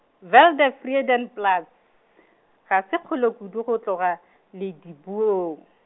Wildevredenplaats, ga se kgole kudu go tloga Ledibung.